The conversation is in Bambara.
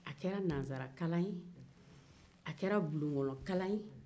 a kɛra nazarakalan ye a kɛra bulonkɔnɔkalan ye